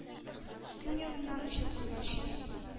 Көньягыннан очып күгәрчен